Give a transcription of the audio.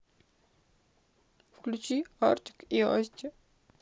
включи артик и асти